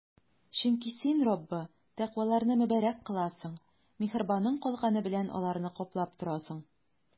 Чөнки Син, Раббы, тәкъваларны мөбарәк кыласың, миһербаның калканы белән аларны каплап торасың.